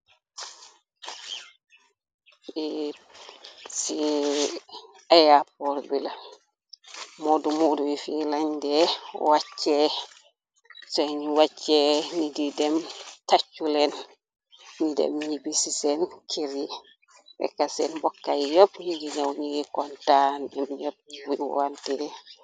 Si ayaport bi la, modumudu yi fii lande wacce, sun wacce nidi dem tacculen, ni dem ñibisi sen ker yi, fekka sen mbokkay yopp yingi ñaw nii kontaan, ñom ñap nyu nayu wante.